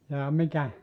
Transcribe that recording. jaa mikä